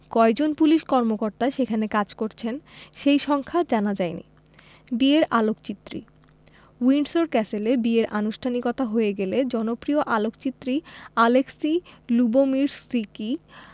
কয়জন পুলিশ কর্মকর্তা সেখানে কাজ করছেন সেই সংখ্যা জানা যায়নি বিয়ের আলোকচিত্রী উইন্ডসর ক্যাসেলে বিয়ের আনুষ্ঠানিকতা হয়ে গেলে জনপ্রিয় আলোকচিত্রী অ্যালেক্সি লুবোমির্সকি